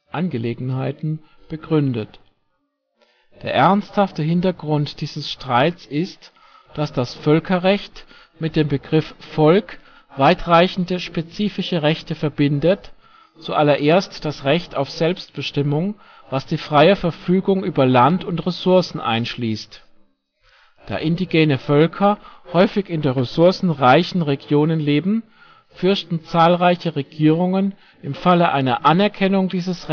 Angelegenheiten) begründet. Der ernsthafte Hintergrund dieses Streits ist, dass das Völkerrecht mit dem Begriff Volk weitreichende spezifische Rechte verbindet, zuallererst das Recht auf Selbstbestimmung, was die freie Verfügung über Land und Ressourcen einschließt. Da indigene Völker häufig in der ressourcenreichen Regionen leben, fürchten zahlreiche Regierungen, im Falle einer Anerkennung dieses